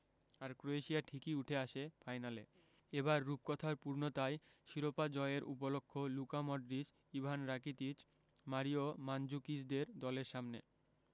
আর ক্রোয়েশিয়া ঠিকই উঠে আসে ফাইনালে এবার রূপকথার পূর্ণতায় শিরোপা জয়ের উপলক্ষ Luka Modric Ivan Rakitic Mario মান্দজুকিচদের দলের সামনে